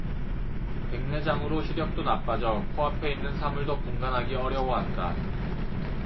백내장으로 시력도 나빠져 코 앞에 있는 사물도 분간하기 어려워한다